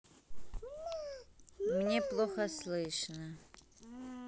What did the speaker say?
мне плохо слышать